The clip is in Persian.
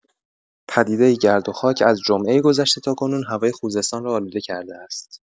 پدیده گرد و خاک از جمعه گذشته تا کنون هوای خوزستان را آلوده کرده است.